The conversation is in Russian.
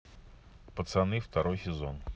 пацаны второй сезон